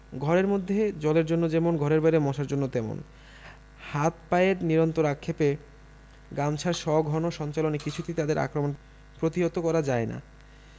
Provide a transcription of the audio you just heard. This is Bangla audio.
ঘরের মধ্যে জলের জন্য যেমন ঘরের বাইরে মশার জন্য তেমন হাত পায়ের নিরন্তর আক্ষেপে গামছার সঘন সঞ্চালনে কিছুতেই তাদের আক্রমণ প্রতিহত করা যায় না